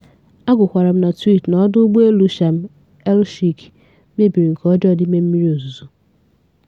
Agụkwara m twiit na ọdụ ụgbọ elu Sharm El-Sheikh mebiri nke ọjọọ n'ime mmiri ozuzo!